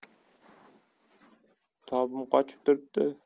tobim qochib turibdi